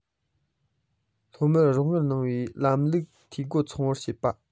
སློབ མར རོགས དངུལ གནང བའི ལམ ལུགས འཐུས སྒོ ཚང བ བྱེད པ